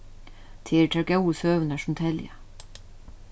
tað eru tær góðu søgurnar sum telja